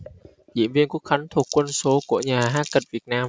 diễn viên quốc khánh thuộc quân số của nhà hát kịch việt nam